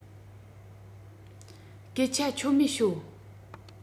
སྐད ཆ ཆོ མེད ཤོད